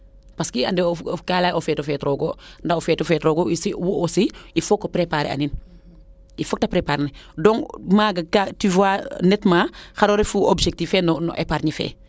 parce que i ande kaa leya ye o feet o feet roogo ndaa o feeto feet roogo aussi il faut o preparer a nin il faut te preparer el donc maaga tu vois nettement xaro refu obectif fee no epargne fee